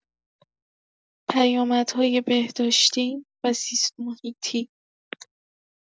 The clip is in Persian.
پیامدهای بهداشتی و زیست‌محیطی